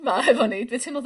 'ma hefo ni dwi teimlo...